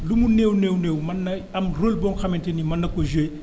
lu mu néew néew néew mën na am rôle boo xamante ni mën na ko joué